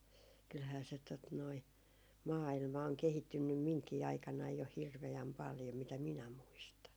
kyllähän se tuota noin maailma on kehittynyt minunkin aikanani jo hirveän paljon mitä minä muistan